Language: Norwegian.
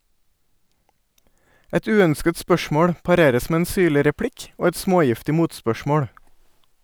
Et uønsket spørsmål pareres med en syrlig replikk og et smågiftig motspørsmål.